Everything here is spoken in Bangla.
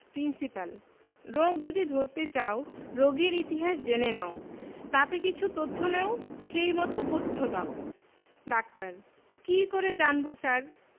প্রিন্সিপাল রোগ যদি ধরতে চাও রোগীর ইতিহাস জেনে নাও তাতে কিছু তথ্য নাও সেই মত পথ্য দাও ডাক্তার কি করে জানব স্যার